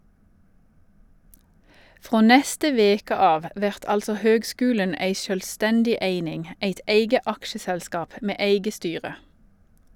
Frå neste veke av vert altså høgskulen ei sjølvstendig eining, eit eige aksjeselskap med eige styre.